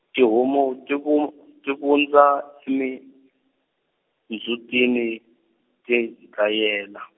tihomu ti vu- ti vundza emindzhutini, ti gayela.